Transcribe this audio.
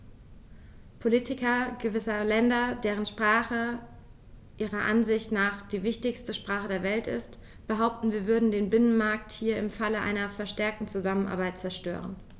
Politiker gewisser Länder, deren Sprache ihrer Ansicht nach die wichtigste Sprache der Welt ist, behaupten, wir würden den Binnenmarkt hier im Falle einer verstärkten Zusammenarbeit zerstören.